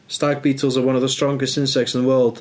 Stag beetles are one of the strongest insects in the world.